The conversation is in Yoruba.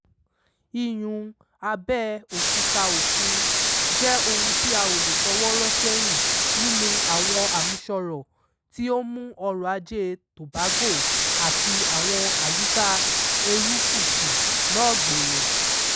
Iyùn-un abẹ́ òkúta òkun jẹ́ ohun tí a ò leè fọwọ́ rọ́ sẹ́yìn nínú àwọn àmúṣọrọ̀ tí ó ń mú ọrọ̀ Ajé Tobago àti àwọn àyíká erékùṣù náà gbòòrò.